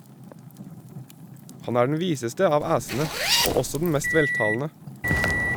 Han er den viseste av æsene og også den mest veltalende.